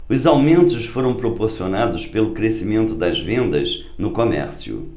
os aumentos foram proporcionados pelo crescimento das vendas no comércio